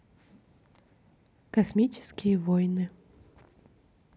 космические войны